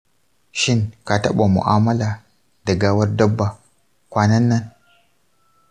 shin ka taɓa mu’amala da gawar dabba kwanan nan?